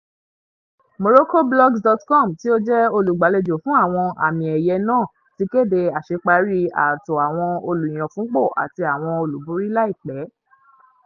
MorroccoBlogs.com, tí ó jẹ́ olùgbàlejò fún àwọn àmì-ẹ̀yẹ náà, ti kéde àṣeparí ààtò àwọn olùyànfúnpò àti àwọn olúborí láìpẹ́.